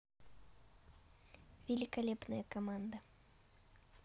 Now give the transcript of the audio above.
великолепная команда